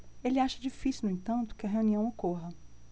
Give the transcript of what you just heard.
ele acha difícil no entanto que a reunião ocorra